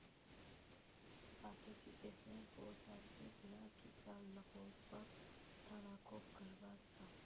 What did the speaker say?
Բացեցի, տեսնեմ ֆորզացի վրա կիսալղոզված թանաքով գրված ա.